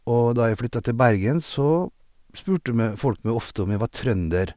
Og da jeg flytta til Bergen, så spurte me folk meg ofte om jeg var trønder.